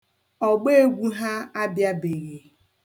Ọgbeegwu ha abịabeghị.